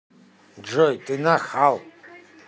джой ты нахал